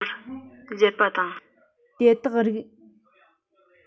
དེ དག རིགས པའི གཞུང ལུགས ཀྱི ཕུལ དུ བྱུང བ གསར སྐྲུན བྱས པ ཡིན